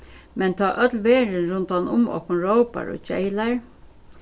men tá øll verðin rundan um okkum rópar og geylar